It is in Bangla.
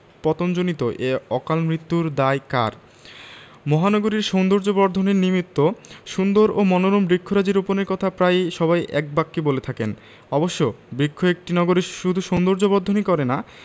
পতনজনিত এই অকালমৃত্যুর দায় কার মহানগরীর সৌন্দর্যবর্ধনের নিমিত্ত সুন্দর ও মনোরম বৃক্ষরাজি রোপণের কথা প্রায়ই সবাই একবাক্যে বলে থাকেন অবশ্য বৃক্ষ একটি নগরীর শুধু সৌন্দর্যবর্ধনই করে না